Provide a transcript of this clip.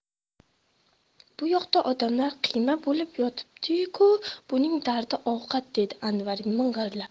bu yoqda odamlar qiyma bo'lib yotibdi ku buning dardi ovqat dedi anvar ming'irlab